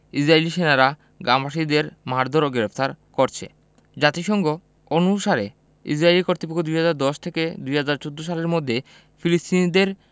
ইসরাইলী সেনারা গ্রামবাসীদের মারধোর ও গ্রেফতার করছে জাতিসংঘ অনুসারে ইসরাইলি কর্তৃপক্ষ ২০১০ থেকে ২০১৪ সালের মধ্যে ফিলিস্তিনিদের